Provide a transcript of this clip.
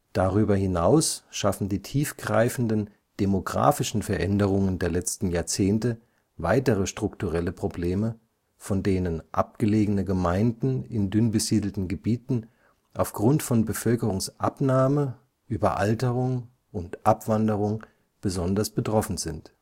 Darüber hinaus schaffen die tiefgreifenden demografischen Veränderungen der letzten Jahrzehnte weitere strukturelle Probleme, von denen abgelegene Gemeinden in dünn besiedelten Gebieten aufgrund von Bevölkerungsabnahme, - überalterung und - abwanderung besonders betroffen sind